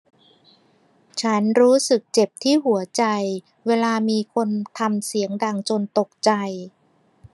ฉันรู้สึกเจ็บที่หัวใจเวลามีคนทำเสียงดังจนตกใจ